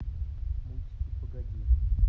мультики погоди